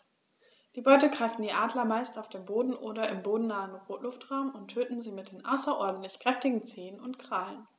Die Beute greifen die Adler meist auf dem Boden oder im bodennahen Luftraum und töten sie mit den außerordentlich kräftigen Zehen und Krallen.